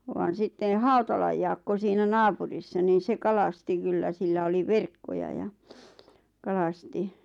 vaan sitten Hautalan Jaakko siinä naapurissa niin se kalasti kyllä sillä oli verkkoja ja kalasti